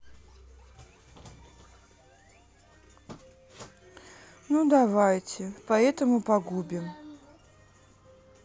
ну давайте поэтому погубим